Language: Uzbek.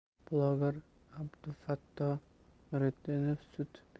bloger abdufatto nuritdinov sud